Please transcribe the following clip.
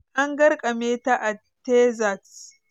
An garkame ta a Texas.